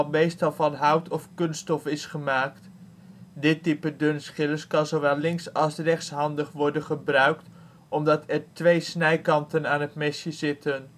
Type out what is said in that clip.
meestal van hout of kunststof is gemaakt. Dit type dunschiller kan ook zowel links - als rechtshandig worden gebruikt omdat er twee snijkanten aan het mesje zitten